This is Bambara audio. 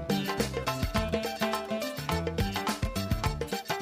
Maai diɲɛ